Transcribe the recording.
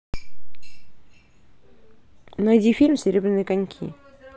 найди фильм серебряные коньки